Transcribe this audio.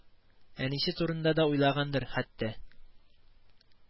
Әнисе турында да уйлагандыр, хәтта